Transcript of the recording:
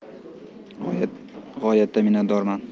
g'oyatda minatdorman